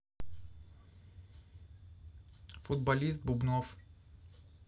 футболист бубнов